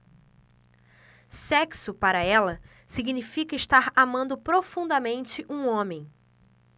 sexo para ela significa estar amando profundamente um homem